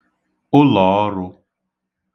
ụlọ̀ọrụ̄